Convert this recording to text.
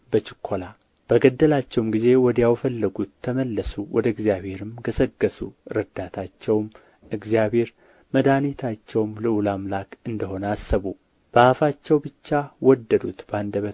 በችኰላ በገደላቸውም ጊዜ ወዲያው ፈለጉት ተመለሱ ወደ እግዚአብሔርም ገሠገሡ ረዳታቸውም እግዚአብሔር መድኃኒታቸውም ልዑል አምላክ እንደ ሆነ አሰቡ በአፋቸው ብቻ ወደዱት በአንደበታቸውም